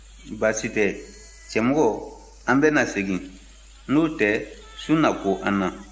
baasi tɛ cɛmɔgɔ an bɛna segin n'o tɛ su na ko an na